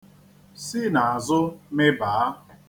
Si n'azụ mịbaa.